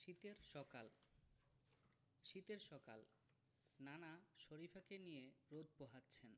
শীতের সকাল শীতের সকাল নানা শরিফাকে নিয়ে রোদ পোহাচ্ছেন